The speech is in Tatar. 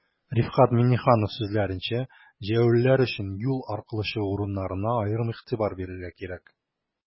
Рифкать Миңнеханов сүзләренчә, җәяүлеләр өчен юл аркылы чыгу урыннарына аерым игътибар бирергә кирәк.